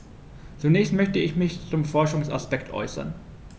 Zunächst möchte ich mich zum Forschungsaspekt äußern.